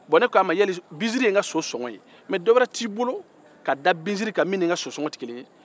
bɔn ne k'a ma binsiri ye n ka so sɔgɔn mɛ dɔwɛrɛ t'i bolo ka da binsiri ka min ni n ka so sɔgɔn tɛ kelen ye